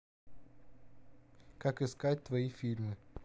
как искать твои фильмы